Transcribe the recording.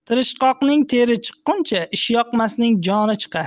tirishqoqning teri chiqquncha ishyoqmasning joni chiqar